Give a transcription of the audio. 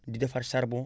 di defar charbon